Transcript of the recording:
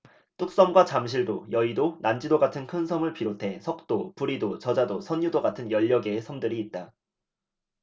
뚝섬과 잠실도 여의도 난지도 같은 큰 섬을 비롯해 석도 부리도 저자도 선유도 같은 열 여개의 섬들이 있었다